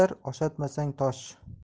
bitar oshatmasang tosh